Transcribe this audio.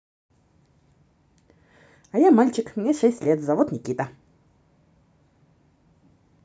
а я мальчик мне шесть лет зовут никита